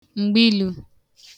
mgbilu